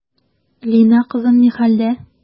Лина кызым ни хәлдә?